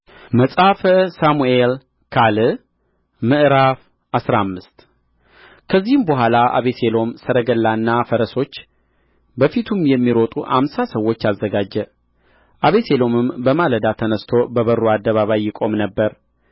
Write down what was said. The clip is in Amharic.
መጽሐፈ ሳሙኤል ካል ምዕራፍ አስራ አምስት ከዚህም በኋላ አቤሴሎም ሰረገላና ፈረሶች በፊቱም የሚሮጡ አምሳ ሰዎች አዘጋጀ አቤሴሎምም በማለዳ ተነሥቶ በበሩ አደበባይ ይቆም ነበር